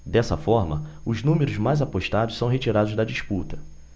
dessa forma os números mais apostados são retirados da disputa